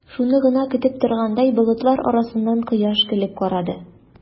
Шуны гына көтеп торгандай, болытлар арасыннан кояш көлеп карады.